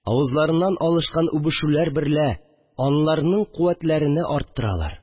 Авызларыннан алышкан үбешүләр берлә аларның куәтләрене арттыралар